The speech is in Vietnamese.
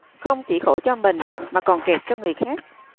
không chỉ khổ cho mình mà còn kẹt cho người khác